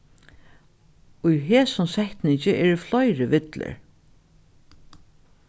í hesum setningi eru fleiri villur